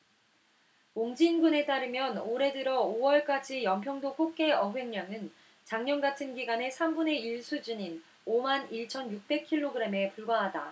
옹진군에 따르면 올해 들어 오 월까지 연평도 꽃게 어획량은 작년 같은 기간의 삼 분의 일 수준인 오 만 일 천 육백 킬로그램에 불과하다